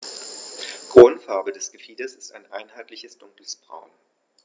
Grundfarbe des Gefieders ist ein einheitliches dunkles Braun.